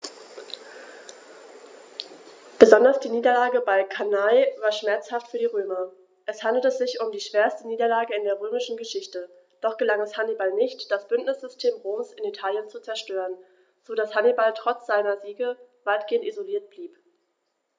Besonders die Niederlage bei Cannae war schmerzhaft für die Römer: Es handelte sich um die schwerste Niederlage in der römischen Geschichte, doch gelang es Hannibal nicht, das Bündnissystem Roms in Italien zu zerstören, sodass Hannibal trotz seiner Siege weitgehend isoliert blieb.